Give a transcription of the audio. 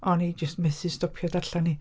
O'n i jyst methu stopio darllen hi.